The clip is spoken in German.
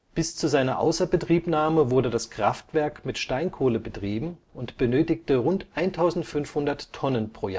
Bis zu seiner Außerbetriebnahme wurde das Kraftwerk mit Steinkohle betrieben und benötigte rund 1500 Tonnen pro Jahr